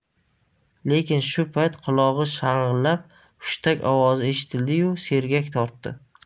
lekin shu payt qulog'i shang'illab hushtak ovozi eshitildi yu sergak tortdi